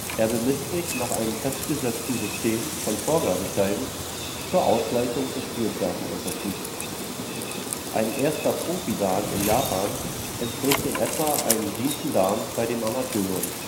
Er bemisst sich nach einem festgesetzten System von Vorgabesteinen zur Ausgleichung des Spielstärkeunterschieds. Ein 1. Profi-Dan in Japan entspricht in etwa einem 7. Dan bei den Amateuren